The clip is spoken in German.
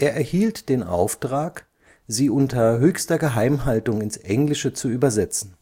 erhielt den Auftrag, sie unter höchster Geheimhaltung ins Englische zu übersetzen